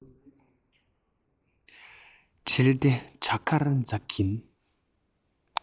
གྲིལ ཏེ བྲང ཁར འཛག གིན